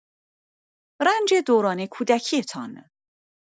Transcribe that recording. رنج دوران کودکی‌تان